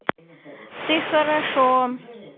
ты хорошо